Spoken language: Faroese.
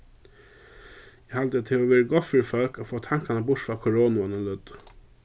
eg haldi at tað hevur verið gott fyri fólk at fáa tankarnar burtur frá koronu eina løtu